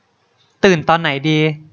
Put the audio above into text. ตื่นตอนไหนดี